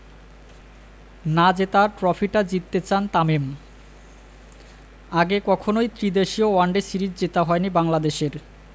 না জেতা ট্রফিটা জিততে চান তামিম আগে কখনোই ত্রিদেশীয় ওয়ানডে সিরিজ জেতা হয়নি বাংলাদেশের